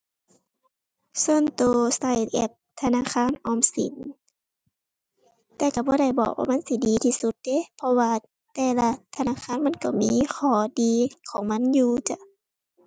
ส่วนตัวตัวแอปธนาคารออมสิน แต่ตัวบ่ได้บอกว่ามันสิดีที่สุดเดะ เพราะว่าแต่ละธนาคารมันตัวมีข้อดีของมันอยู่จ๊ะ